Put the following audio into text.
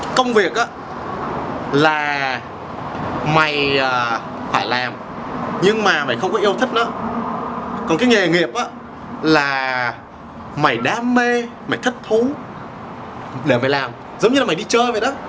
công việc á là mày à phải làm nhưng mà mày không có yêu thích nó còn cái nghề nghiệp á là mày đam mê mày thích thú để mày làm giống như là mày đi chơi vậy đó